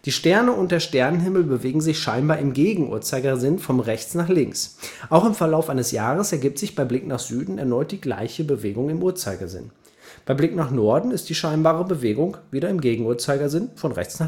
Sterne und der Sternenhimmel bewegen sich scheinbar im Gegenuhrzeigersinn von rechts (Osten) nach links (Westen). Auch im Verlauf eines Jahres ergibt sich bei Blick nach Süden die gleiche Bewegung, nur langsamer, im Uhrzeigersinn. Bei Blick nach Norden ist die scheinbare Bewegung wieder im Gegenuhrzeigersinn von rechts